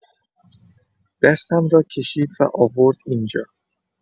دستم را کشید و آورد این‌جا.